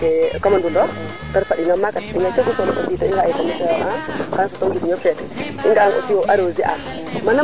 mais aussi tewo xe ka jeg ka ga a ma o saq ɓayole wo te ref a siwo la saq na xa yul um ga o xafa foof le yura manam a siwo lene comme genre xaro